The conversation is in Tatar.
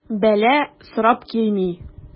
Бәла сорап килми.